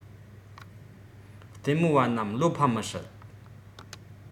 ལྟད མོ བ རྣམ བློ ཕམ མི སྲིད